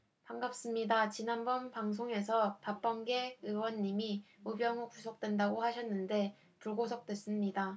반갑습니다 지난번 방송에서 박범계 의원님이 우병우 구속된다고 하셨는데 불구속됐습니다